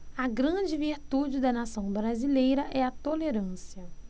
a grande virtude da nação brasileira é a tolerância